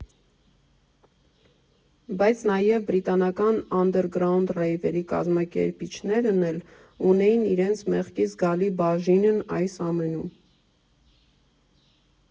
Բայց նաև բրիտանական անդերգրաունդ ռեյվերի կազմակերպիչներն էլ ունեին իրենց մեղքի զգալի բաժինն այս ամենում։